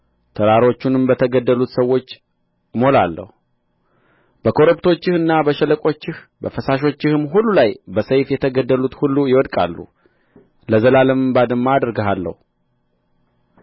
ተራሮቹንም በተገደሉት ሰዎች እሞላለሁ በኮረብቶችህና በሸለቆችህ በፈሳሾችህም ሁሉ ላይ በሰይፍ የተገደሉት ሁሉ ይወድቃሉ ለዘላለምም ባድማ አደርግሃለሁ